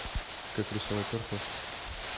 как рисовать кошку